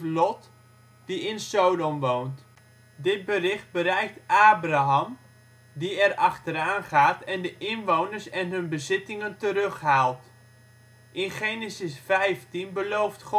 Lot, die in Sodom woont. Dit bericht bereikt Abraham, die er achteraan gaat en de inwoners en hun bezittingen terughaalt. In Genesis 15 belooft